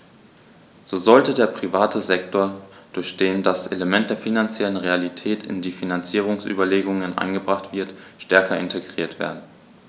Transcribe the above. So sollte der private Sektor, durch den das Element der finanziellen Realität in die Finanzierungsüberlegungen eingebracht wird, stärker integriert werden.